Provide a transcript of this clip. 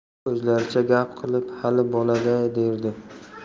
o'zlaricha gap qilib hali bolada derdi